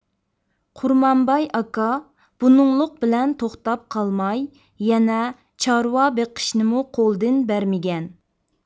قۇرمانباي ئاكا بۇنىڭلىق بىلەن توختاپ قالماي يەنە چارۋا بېقىشنىمۇ قولدىن بەرمىگەن